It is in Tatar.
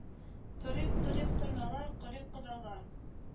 Торыйк торыйк торналар корыйк кодалар